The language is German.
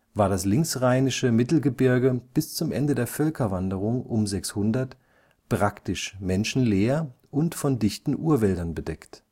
war das linksrheinische Mittelgebirge bis zum Ende der Völkerwanderung (um 600) praktisch menschenleer und von dichten Urwäldern bedeckt